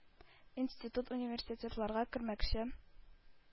Институт-университетларга кермәкче.